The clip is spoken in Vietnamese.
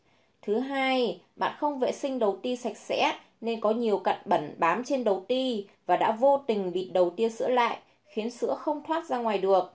thứ bạn không vệ sinh đầu ti sạch sẽ nên có nhiều cặn bẩn bám trên đầu ti và đã vô tình bịt đầu tia sữa lại khiến sữa không thoát ra ngoài được